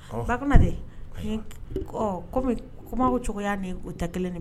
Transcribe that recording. Ɔɔ; Fakuma dɛ ; Hɛn, ɔ comme kumaw cogoya ni o tɛ kelen